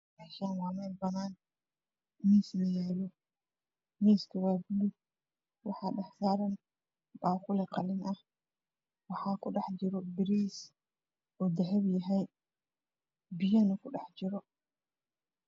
Mashan waxaa yalo mis kalar kisi waa baluug waxaa saran baquli oo qalin ah waxaa kujiro bariis kalar kisi waa dahabi iyo biyo